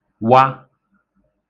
wa